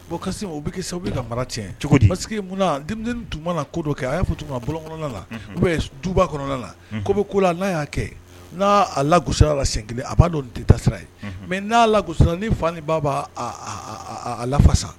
Bon o bɛ sababu bɛ ka mara cɛ cogo tun mana kodo kɛ a y'a tun bɔ la duba kɔnɔna la ko bɛ ko la n'a y'a kɛ n'a a lagosaya la sen kelen a b'a dɔn tasira ye mɛ n'a lagosala ni fa ni' a lafasa